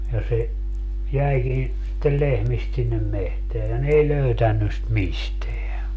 ja se jäikin sitten lehmistä sinne metsään ja ne ei löytänyt sitä mistään